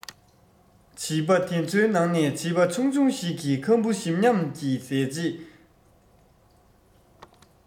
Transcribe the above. བྱིས པ དེ ཚོའི ནང ནས བྱིས པ ཆུང ཆུང ཞིག གིས ཁམ བུ ཞིམ ཉམས ཀྱིས བཟས རྗེས